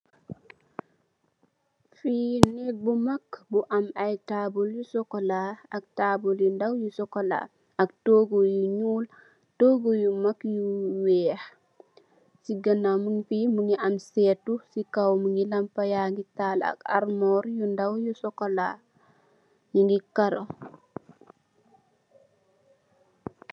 Fi neeg bu maag bu am ay taabul yu cxocola ak tabul yu ndaw yu cxocola ak togu yu nuul togu yu mag yu wexx si ganaw mung fi mongi am setu si kaw mongi lampa yangi taal ak almur bu ndaw bu cxocola nyugi karo.